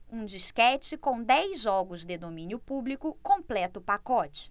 um disquete com dez jogos de domínio público completa o pacote